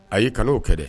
A y'i kanu o kɛ